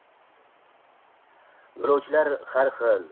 yoiovchilar har xil